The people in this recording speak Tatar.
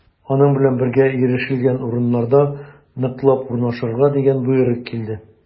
Аның белән бергә ирешелгән урыннарда ныклап урнашырга дигән боерык килде.